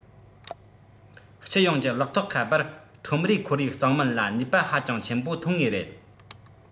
སྤྱི ཡོངས ཀྱི ལག ཐོགས ཁ པར ཁྲོམ རའི ཁོར ཡུག གཙང མིན ལ ནུས པ ཧ ཅང ཆེན པོ ཐོན ངེས རེད